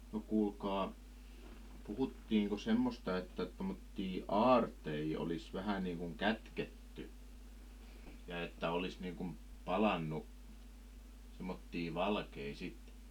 no kuulkaa puhuttiinko semmoista että tuommoisia aarteita olisi vähän niin kuin kätketty ja että olisi niin kuin palanut semmoisia valkeita sitten